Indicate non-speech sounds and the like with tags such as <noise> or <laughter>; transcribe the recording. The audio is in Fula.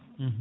<hesitation> <hesitation>